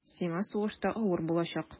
Сиңа сугышта авыр булачак.